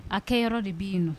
A kɛ yɔrɔ de b'i yenn